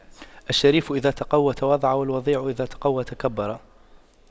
الشريف إذا تَقَوَّى تواضع والوضيع إذا تَقَوَّى تكبر